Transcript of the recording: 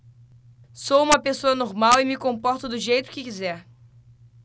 sou homossexual e me comporto do jeito que quiser